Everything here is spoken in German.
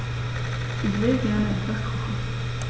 Ich will gerne etwas kochen.